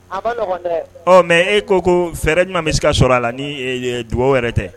Mɛ e ko ko fɛɛrɛ ɲuman bɛ se ka sɔrɔ a la ni dugaw wɛrɛ tɛ